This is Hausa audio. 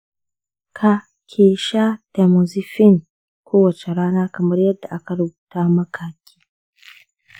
ka/ki sha tamoxifen kowace rana kamar yadda aka rubuta maka/ki.